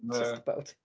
Just about.